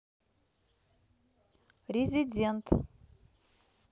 резидент